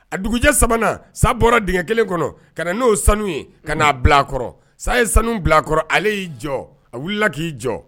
A dugujɛ 3nan sa bɔra o dingɛ kelen kɔnɔ ka na n'o ye sanu ye, ka n'a bila'kɔrɔ, sa ye sanu bila'kɔrɔ ale y'i jɔ, a wulila k'i jɔ.